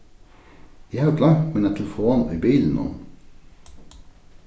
eg havi gloymt mína telefon í bilinum